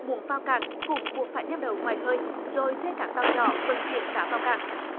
muốn vào cảng cũng buộc phải neo đậu ngoài khơi rồi thuê các tàu nhỏ vận chuyển cá vào cảng